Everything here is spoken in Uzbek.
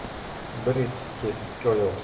bir etikka ikki oyoq